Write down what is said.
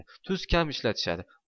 tuz kam ishlatishadi